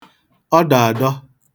Ọ dọ adọ.